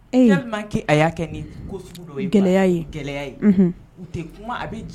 Ee! Tellement que a y'a kɛ ni ko sugu dɔw ye. Gɛlɛya ye. Gɛlɛya ye. Unhun. U tɛ kuma a b